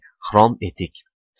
xrom etik